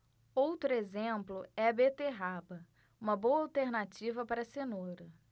outro exemplo é a beterraba uma boa alternativa para a cenoura